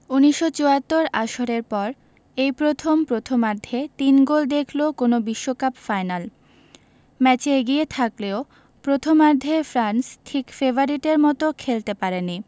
১৯৭৪ আসরের পর এই প্রথম প্রথমার্ধে তিন গোল দেখল কোনো বিশ্বকাপ ফাইনাল ম্যাচে এগিয়ে থাকলেও প্রথমার্ধে ফ্রান্স ঠিক ফেভারিটের মতো খেলতে পারেনি